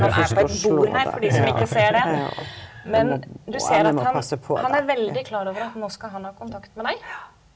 han er på et bord her for de som ikke ser det, men du ser at han han er veldig klar over at nå skal han ha kontakt med deg.